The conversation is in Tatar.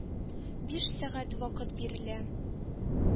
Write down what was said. Биш сәгать вакыт бирелә,